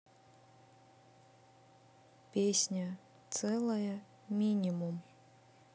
песня целая минимум